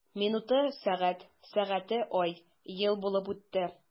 Минуты— сәгать, сәгате— ай, ел булып үтте.